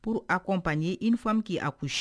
Pur a kɔnp n ye i nifamu k'a kun